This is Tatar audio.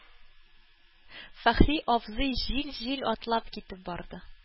Фәхри абзый җил-җил атлап китеп барды.